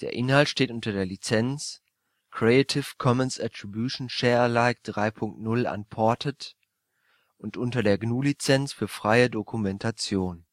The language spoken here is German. Inhalt steht unter der Lizenz Creative Commons Attribution Share Alike 3 Punkt 0 Unported und unter der GNU Lizenz für freie Dokumentation